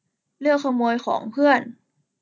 เลือกขโมยของเพื่อน